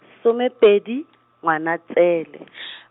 some pedi, Ngwanatsele .